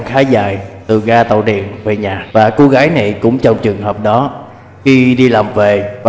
một đoạn khá dài từ ga tàu điện về nhà và cô gái này cũng trong trường hợp đó khi đi làm về